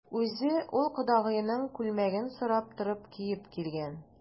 Үзе ул кодагыеның күлмәген сорап торып киеп килгән.